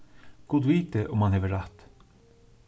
gud viti um hann hevur rætt